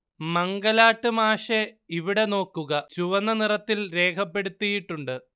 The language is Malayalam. മംഗലാട്ട് മാശെ ഇവിടെ നോക്കുക ചുവന്ന നിറത്തിൽ രേഖപ്പെടുത്തിയിട്ടുണ്ട്